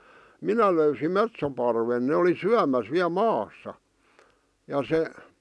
minä löysin metsoparven ne oli syömässä vielä maassa ja se